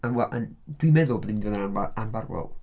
Yn wel yn- Dwi'n meddwl bod hi'n mynd i fod yn anf- anfarwol.